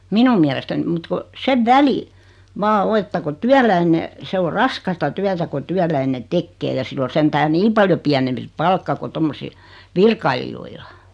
minun mielestäni mutta kun sen välin vain on että kun työläinen se on raskasta työtä kun työläinen tekee ja sillä on sentään niin paljon pienempi se palkka kuin - virkailijoilla